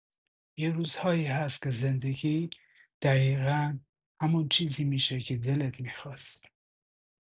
یه روزایی هست که زندگی دقیقا همون چیزی می‌شه که دلت می‌خواست.